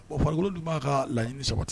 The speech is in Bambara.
Bon farikolokolo dun b'a ka laɲini sabati